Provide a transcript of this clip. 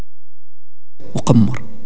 قمر